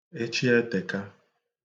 echietèka